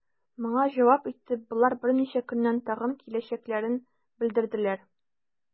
Моңа җавап итеп, болар берничә көннән тагын киләчәкләрен белдерделәр.